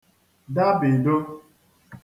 dabìdo